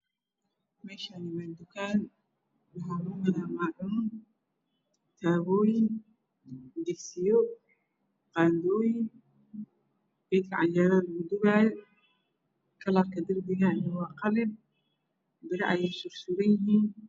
Meshan waa dukan waxa laku gada macuun taboyin digsiyo qandoyin geedka cajerad laku dubaya kalarka dirbiga waa qalin biro ayey surinyahin